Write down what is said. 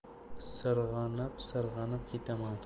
sirg'anib sirg'anib ketaman